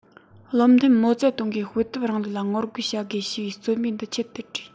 བློ མཐུན མའོ ཙེ ཏུང གིས དཔེ དེབ རིང ལུགས ལ ངོ རྒོལ བྱ དགོས ཞེས པའི རྩོམ ཡིག འདི ཆེད དུ བྲིས